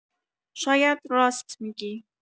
شاید راست می‌گی.